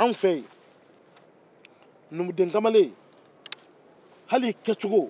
anw fɛ yen numudenkamalen hali i kɛcogo